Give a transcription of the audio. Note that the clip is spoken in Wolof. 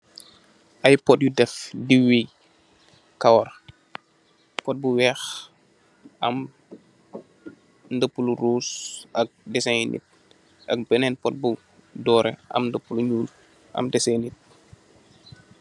Aye pot yu def diwi kawar, pot bu weekh, am ndeupu lu rouse ak deseen, ak benen pot bu dooreh, am ndeupu lu nyul am deseeni.